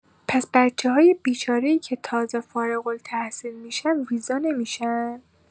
پس بچه‌های بیچاره‌ای که تازه فارغ‌التحصیل می‌شن ویزا نمی‌شن؟